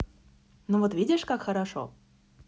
ну вот видишь как хорошо